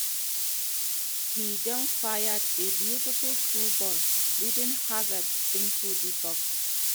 He then fired a beautiful through ball, leading Hazard into the box.